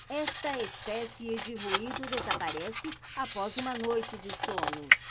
esta espécie de ruído desaparece após uma noite de sono